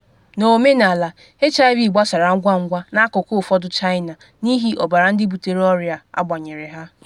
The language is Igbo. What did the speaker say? N’omenala, HIV gbasara ngwangwa n’akụkụ ụfọdụ China n’ihi ọbara ndị butere ọrịa agbanyere ha.